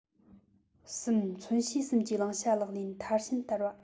གསུམ མཚོན བྱེད གསུམ གྱི བླང བྱ ལག ལེན མཐར ཕྱིན བསྟར བ